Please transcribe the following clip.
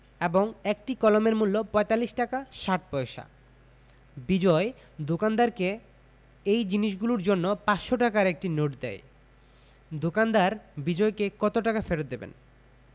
এবং একটি কলমের মূল্য ৪৫ টাকা ৬০ পয়সা বিজয় দোকানদারকে এই জিনিসগুলোর জন্য ৫০০ টাকার একটি নোট দেয় দোকানদার বিজয়কে কত টাকা ফেরত দেবেন